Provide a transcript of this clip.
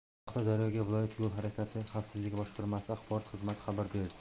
bu haqda daryo ga viloyat yo'l harakati xavfsizligi boshqarmasi axborot xizmati xabar berdi